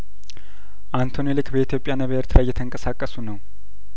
አንቶኒ ሌክ በኢትዮጵያ ና ኤርትራ እየተንቀሳቀሱ ነው